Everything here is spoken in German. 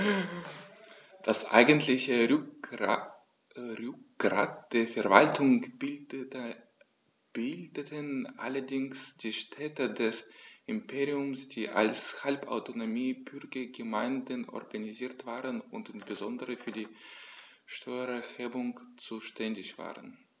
Das eigentliche Rückgrat der Verwaltung bildeten allerdings die Städte des Imperiums, die als halbautonome Bürgergemeinden organisiert waren und insbesondere für die Steuererhebung zuständig waren.